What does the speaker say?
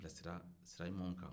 ka i bilasira sira ɲumanw kan